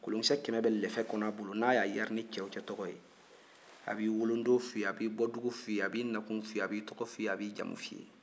kolonkisɛ kɛmɛ bɛ lɛfɛ kɔnɔ a bolo n'a yaari ni cɛ o cɛ tɔgɔ ye a b'i wolodon fɔ i ye a bɛ i bɔdugu fɔ i ye a bɛ i nakun fɔ i ye a bɛ i tɔgɔ fɔ i ye a bɛ i jamu fɔ i ye